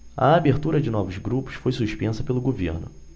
a abertura de novos grupos foi suspensa pelo governo